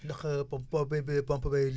ndax pomp bee bee pomp bee